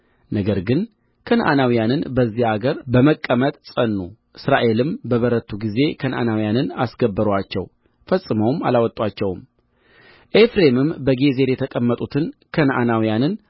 ነገር ግን ከነዓናውያን በዚያ አገር በመቀመጥ ጸኑ እስራኤልም በበረቱ ጊዜ ከነዓናውያንን አስገበሩአቸው ፈጽመውም አላወጡአቸውም ኤፍሬምም በጌዝር የተቀመጡትን ከነዓናውያንን